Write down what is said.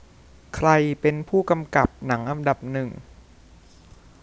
ใครเป็นผู้กำกับหนังอันดับหนึ่ง